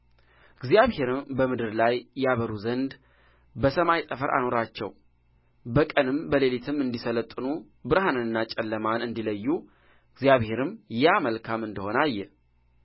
እግዚአብሔርም በምድር ላይ ያበሩ ዘንድ በሰማይ ጠፈር አኖራቸው በቀንም በሌሊትም እንዲሠለጥኑ ብርሃንንና ጨለማንም እንዲለዩ እግዚአብሔርም ያ መልካም እንደ ሆነ አየ